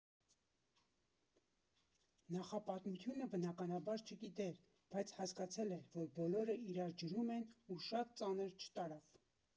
Նախապատմությունը բնականաբար չգիտեր, բայց հասկացել էր, որ բոլորը իրար ջրում են, ու շատ ծանր չտարավ։